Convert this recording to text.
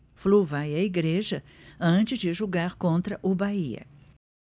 flu vai à igreja antes de jogar contra o bahia